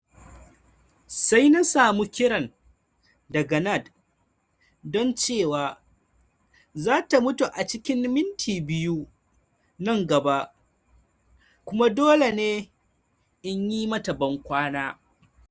"Sai na samu kiran daga Nad don cewa za ta mutu a cikin minti biyu nan gaba kuma dole in yi mata bankwana.